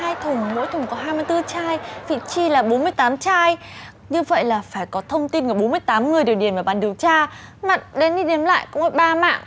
hai thùng mỗi thùng có hai mươi tư chai vị chi là bốn mươi tám chai như vậy là phải có thông tin bốn mươi tám người để điền vào bản điều tra mà đếm đi đếm lại có mỗi ba mạng